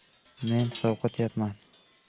men sovqotyapman